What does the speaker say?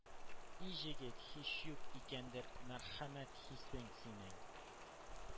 — и җегет, һич юк икәндер мәрхәмәт хиссең синең;